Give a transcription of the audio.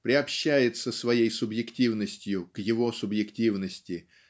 приобщается своей субъективностью к его субъективности